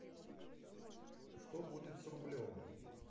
что будет с рублем